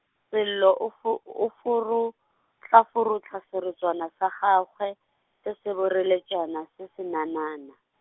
Sello o fo-, o forohlaforohla serotswana sa gagwe, se se boreletšana se senanana.